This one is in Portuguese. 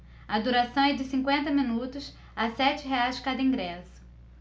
a duração é de cinquenta minutos a sete reais cada ingresso